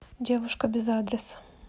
девушка без адреса